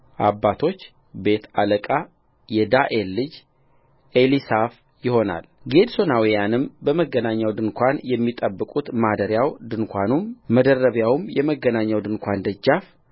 አባቶች ቤት አለቃ የዳኤል ልጅ ኤሊሳፍ ይሆናልጌድሶናውያንም በመገናኛው ድንኳን የሚጠብቁት ማደሪያው ድንኳኑም መደረቢያውም የመገናኛው ድንኳን ደጃፍ